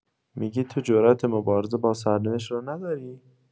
می‌گی تو جرات مبارزه با سرنوشت رو نداری؟